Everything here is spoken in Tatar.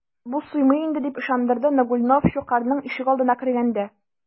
Бу суймый инде, - дип ышандырды Нагульнов Щукарьның ишегалдына кергәндә.